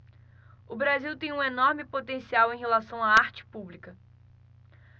o brasil tem um enorme potencial em relação à arte pública